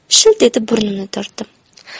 shilt etib burnimni tortdim